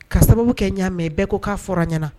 Ka sababu kɛ ɲamɛ bɛɛ ko k'a fɔra ɲɛna